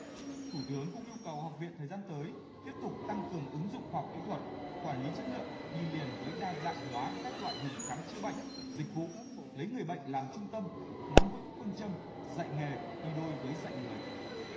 thủ tướng cũng yêu cầu học viện thời gian tới tiếp tục tăng cường ứng dụng khoa học kỹ thuật quản lý chất lượng đi liền với đa dạng hóa các loại hình khám chữa bệnh dịch vụ lấy người bệnh làm trung tâm nắm vững phương châm dạy nghề đi đôi với dạy người